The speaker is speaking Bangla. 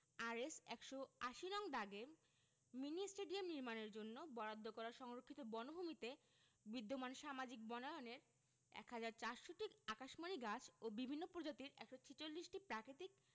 আরএস ১৮০ নং দাগে মিনি স্টেডিয়াম নির্মাণের জন্য বরাদ্দ করা সংরক্ষিত বনভূমিতে বিদ্যমান সামাজিক বনায়নের ১ হাজার ৪০০টি আকাশমণি গাছ ও বিভিন্ন প্রজাতির ১৪৬টি প্রাকৃতিক